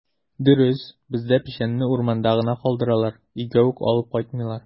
Дөрес, бездә печәнне урманда гына калдыралар, өйгә үк алып кайтмыйлар.